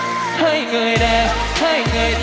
hây người